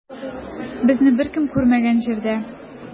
Безне беркем күрмәгән җирдә.